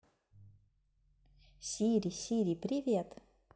сири сири привет